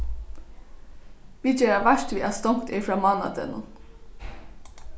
vit gera vart við at stongt er frá mánadegnum